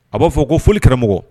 A b'a fɔ ko fɔlikaramɔgɔ.